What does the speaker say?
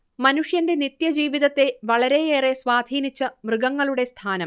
മനുഷ്യന്റെ നിത്യജീവിതത്തെ വളരെയേറെ സ്വാധീനിച്ച മൃഗങ്ങളുടെ സ്ഥാനം